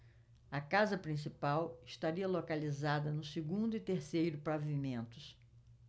a casa principal estaria localizada no segundo e terceiro pavimentos